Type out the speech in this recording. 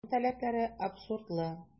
Канун таләпләре абсурдлы.